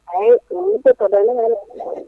Maa'i kelen